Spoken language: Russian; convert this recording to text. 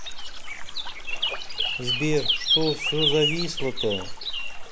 сбер что все зависло то